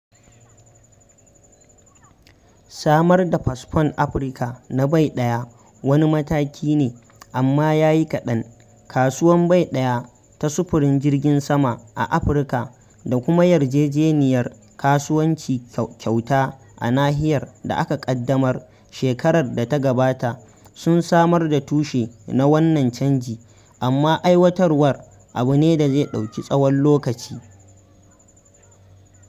Samar da fasfon Afirka na bai ɗaya wani mataki ne - amma ya yi kaɗan. Kasuwar Bai ɗaya ta Sufurin Jiragen Sama a Afirka da kuma Yarjejeniyar Kasuwanci Kyauta a Nahiyar da aka ƙaddamar shekarar da ta gabata sun samar da tushe na wannan canji, amma aiwatarwar abu ne da zai ɗauki tsahon lokaci.